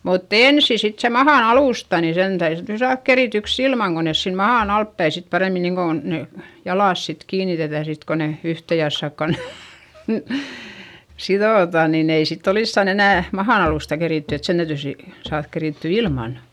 mutta ensin sitten se mahan alusta niin sen täytyi sitten saada kerityksi ilman kun ne siinä mahan altapäin sitten paremmin niin kuin ne jalat sitten kiinnitetään sitten kun ne yhteen jassakkaan ne sidotaan niin ei sitten olisikaan enää mahan alusta keritty että sen täytyy sitten saada kerittyä ilman